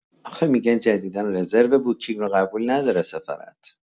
آخه می‌گن جدیدا رزرو بوکینگ را قبول نداره سفارت